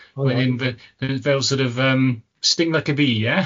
Oedd e'n fel sort of yym sting like a bee ie?